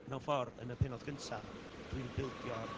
So, mewn ffordd, yn y pennod gyntaf, dwi'n bildio'r...